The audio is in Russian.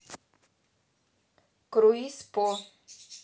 круиз по